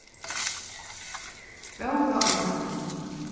bókaummæli